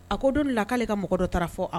A ko don la k'ale ka mɔgɔ dɔ taara fɔ